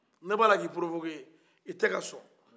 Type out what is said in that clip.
ne bɛ ala ka i laɲini i t'ala ka sɔn